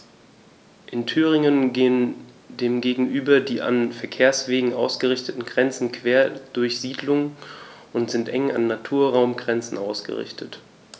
In Thüringen gehen dem gegenüber die an Verkehrswegen ausgerichteten Grenzen quer durch Siedlungen und sind eng an Naturraumgrenzen ausgerichtet.